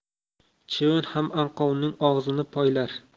chivin ham anqovning og'zini poylar